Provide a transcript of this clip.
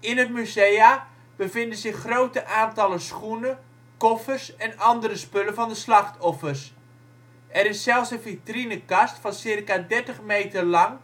In het museum bevinden zich grote aantallen schoenen, koffers en andere spullen van de slachtoffers. Er is zelfs een vitrinekast van circa dertig meter lang